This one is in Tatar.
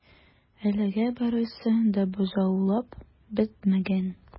Әлегә барысы да бозаулап бетмәгән.